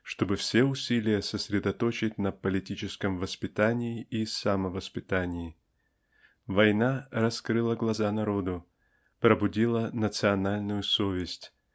чтобы все усилия сосредоточить на политическом воспитании и самовоспитании. Война раскрыла глаза народу пробудила национальную совесть